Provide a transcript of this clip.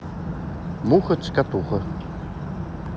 муха цокотуха